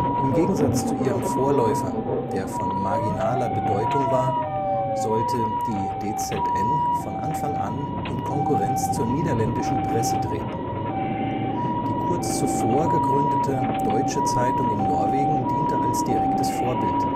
Im Gegensatz zu ihrem Vorläufer, der von marginaler Bedeutung war, sollte die DZN von Anfang an in Konkurrenz zur niederländischen Presse treten. Die kurz zuvor gegründete Deutsche Zeitung in Norwegen diente als direktes Vorbild